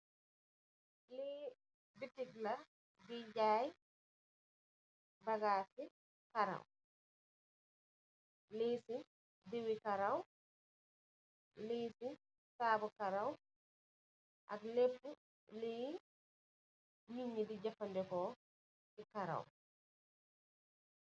Lii bitig la bi jaay bagas si karaw, liisi diwi karaw, liisi sabu karaw ak leppu li ninyi di jafendikoo si karaw